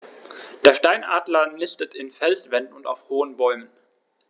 Der Steinadler nistet in Felswänden und auf hohen Bäumen.